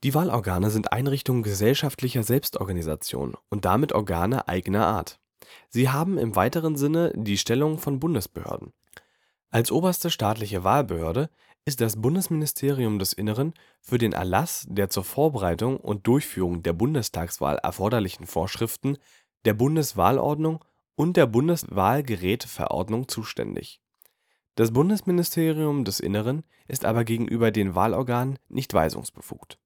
Wahlorgane sind Einrichtungen gesellschaftlicher Selbstorganisation und damit Organe eigener Art. Sie haben im weiteren Sinne die Stellung von Bundesbehörden. Als oberste staatliche Wahlbehörde ist das Bundesministerium des Innern für den Erlass der zur Vorbereitung und Durchführung der Bundestagswahl erforderlichen Vorschriften der Bundeswahlordnung und der Bundeswahlgeräteverordnung zuständig. Das Bundesministerium des Innern ist aber gegenüber den Wahlorganen nicht weisungsbefugt